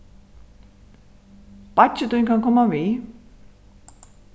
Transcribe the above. beiggi tín kann koma við